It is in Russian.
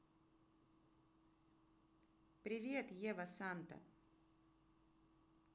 привет ева санта